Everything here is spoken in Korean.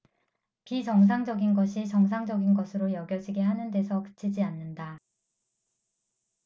비정상적인 것이 정상적인 것으로 여겨지게 하는 데서 그치지 않는다